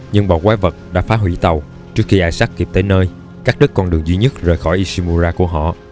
nhưng bọn quái vật đã phá hủy tàu trước khi isaac kịp tới nơi cắt đứt con đường duy nhất rời khỏi ishimura của họ